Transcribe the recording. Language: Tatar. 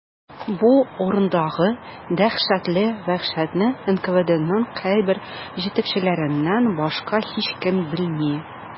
Бу урындагы дәһшәтле вәхшәтне НКВДның кайбер җитәкчеләреннән башка һичкем белми.